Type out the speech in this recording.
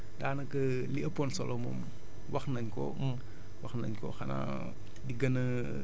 bon xam naa loolu moom du sax daanaka li ëppoon solo moom wax nañ ko